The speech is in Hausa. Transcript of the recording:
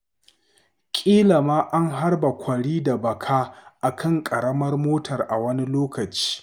ƙila ma an harba kwari da baka a kan ƙaramar motar a wani lokaci.